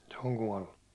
se on kuollut